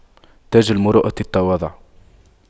تاج المروءة التواضع